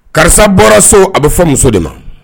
Karisa bɔra so, a be fɔ muso de ma.